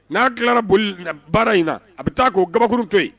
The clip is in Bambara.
N'a tilara boli baara in na a bɛ taa k'o kababakuru to yen